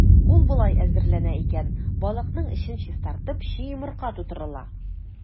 Ул болай әзерләнә икән: балыкның эчен чистартып, чи йомырка тутырыла.